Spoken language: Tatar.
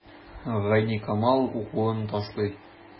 Гайникамал укуын ташлый.